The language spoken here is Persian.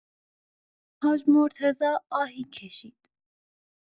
حاج مرتضی آهی کشید.